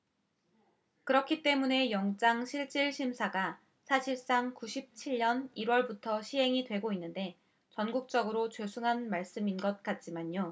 그렇기 때문에 영장실질심사가 사실상 구십 칠 년 일 월부터 시행이 되고 있는데 전국적으로 죄송한 말씀인 것 같지만요